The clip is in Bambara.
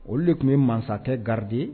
O de tun ye mansa garidi ye